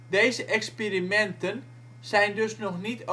Deze experimenten zijn dus nog niet